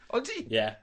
Odi? Ie.